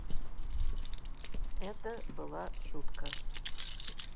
это была шутка